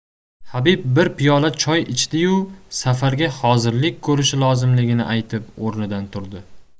habib bir piyola choy ichdiyu safarga hozirlik ko'rishi lozimligini aytib o'rnidan turdi